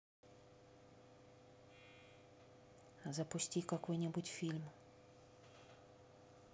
запусти какой нибудь фильм